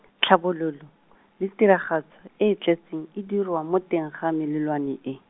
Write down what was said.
tlhabololo, le tiragatso, e e tletseng, e diriwa mo teng ga melelwane e.